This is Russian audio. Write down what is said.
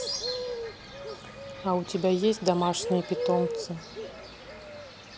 а у тебя есть домашние питомцы